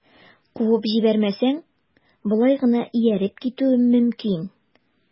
Куып җибәрмәсәң, болай гына ияреп китүем мөмкин...